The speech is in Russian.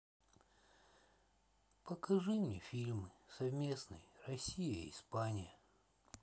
покажите фильм совместный россия испания